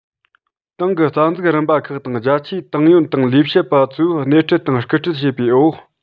ཏང གི རྩ འཛུགས རིམ པ ཁག དང རྒྱ ཆེའི ཏང ཡོན དང ལས བྱེད པ ཚོས སྣེ ཁྲིད དང སྐུལ ཁྲིད བྱེད པའི འོག